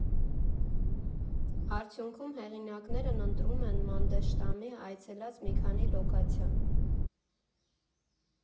Արդյունքում հեղինակներն ընտրում են Մանդեշտամի այցելած մի քանի լոկացիա.